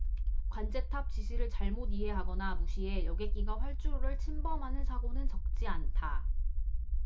관제탑 지시를 잘못 이해하거나 무시해 여객기가 활주로를 침범하는 사고는 적지 않다